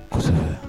Kosɛbɛ